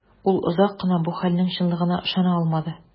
Ул озак кына бу хәлнең чынлыгына ышана алмады.